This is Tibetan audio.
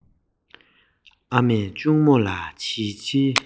ཞེས མུན ཁྲོད དུ ཡ མཚན གྱི འོད ཞགས འཕྲོ བའི